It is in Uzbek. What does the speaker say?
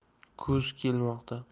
kuz kelmoqda